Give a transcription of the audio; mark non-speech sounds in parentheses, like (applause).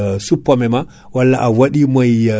(breath) o renata kaadi koko fuɗi ko